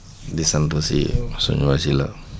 di sant aussi suñu wasila